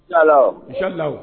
Salaw salaw